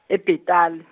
e- Bethal.